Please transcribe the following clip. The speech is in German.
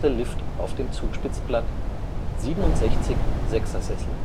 Lift auf dem Zugspitzplatt, 67 Sechser-Sessel